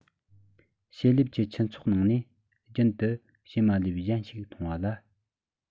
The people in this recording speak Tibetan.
ཕྱེ ལེབ ཀྱི ཁྱུ ཚོགས ནང ནས རྒྱུན དུ ཕྱེ མ ལེབ གཞན ཞིག མཐོང བ ལ